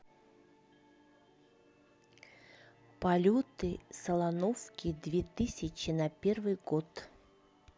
полеты солоновки две тысячи на первый год